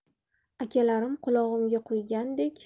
akalarim qulog'imga quygandek